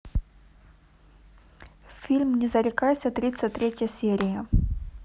фильм не зарекайся тридцать третья серия